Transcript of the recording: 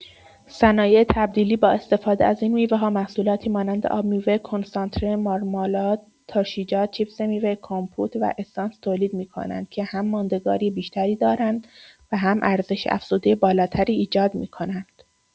صنایع تبدیلی با استفاده از این میوه‌ها محصولاتی مانند آبمیوه، کنسانتره، مارمالاد، ترشیجات، چیپس میوه، کمپوت و اسانس تولید می‌کنند که هم ماندگاری بیشتری دارند و هم ارزش‌افزوده بالاتری ایجاد می‌کنند.